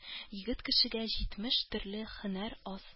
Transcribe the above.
Егет кешегә җитмеш төрле һөнәр аз.